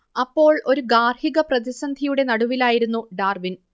അപ്പോൾ ഒരു ഗാർഹിക പ്രതിസന്ധിയുടെ നടുവിലായിരുന്നു ഡാർവിൻ